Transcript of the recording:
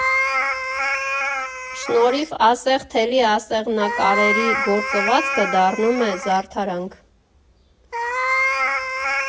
Շնորհիվ ասեղ֊թելի ասեղնակարերի գործվածքը դառնում է զարդարանք։